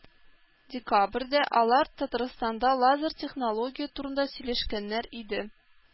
Декабрьдә алар Татарстанда лазер технология турында сөйләшкәннәр иде.